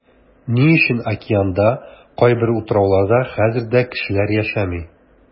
Ни өчен океанда кайбер утрауларда хәзер дә кешеләр яшәми?